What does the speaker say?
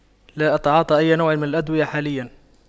لا أتعاطى أية نوع من الأدوية حاليا